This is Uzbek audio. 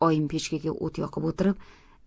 oyim pechkaga o't yoqib o'tirib